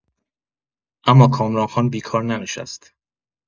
اما کامران‌خان بیکار ننشست.